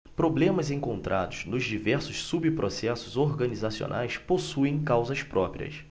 problemas encontrados nos diversos subprocessos organizacionais possuem causas próprias